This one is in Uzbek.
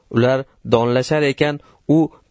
ular donlashar ekan